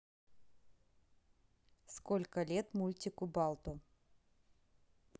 сколько лет мультику балто